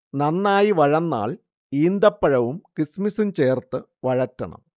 നന്നായി വഴന്നാൽ ഈന്തപ്പഴവും കിസ്മിസും ചേർത്തു വഴറ്റണം